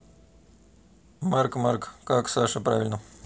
марк марк как саша правильно